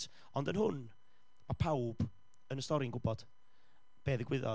Ond yn hwn, ma' pawb yn y stori'n gwybod be ddigwyddodd.